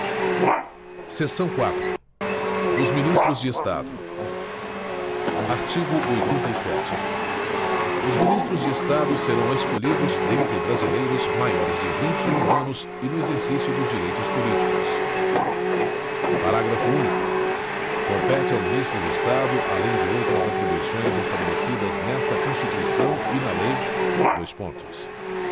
seção quatro dos ministros de estado artigo oitenta e sete os ministros de estado serão escolhidos dentre brasileiros maiores de vinte e um anos e no exercício dos direitos políticos parágrafo único compete ao ministro de estado além de outras atribuições estabelecidas nesta constituição e na lei dois pontos